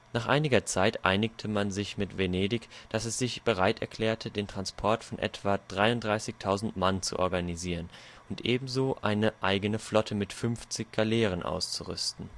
Nach einiger Zeit einigte man sich mit Venedig, das sich bereit erklärte, den Transport von etwa 33.000 Mann zu organisieren, und ebenso eine eigene Flotte mit 50 Galeeren auszurüsten